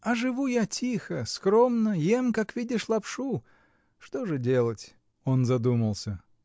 А живу я тихо, скромно, ем, как видишь, лапшу. Что же делать?. — Он задумался.